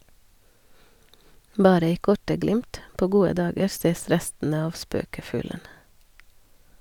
Bare i korte glimt, på gode dager, ses restene av spøkefuglen.